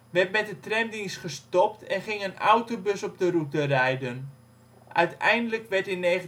werd met de tramdienst gestopt en ging een autobus op de route rijden. Uiteindelijk werd in 1937 een